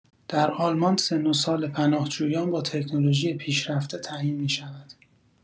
در آلمان سن و سال پناهجویان با تکنولوژی پیشرفته تعیین می‌شود.